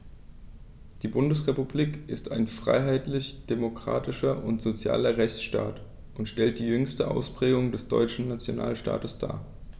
Die Bundesrepublik ist ein freiheitlich-demokratischer und sozialer Rechtsstaat und stellt die jüngste Ausprägung des deutschen Nationalstaates dar.